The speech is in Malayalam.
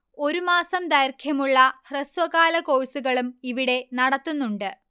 ഒരു മാസം ദൈർഘ്യമുള്ള ഹ്രസ്വകാല കോഴ്സുകളും ഇവിടെ നടത്തുന്നുണ്ട്